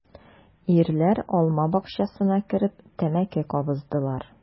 Ирләр алма бакчасына кереп тәмәке кабыздылар.